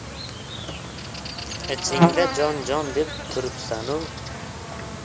ichingda jon jon deb turibsanu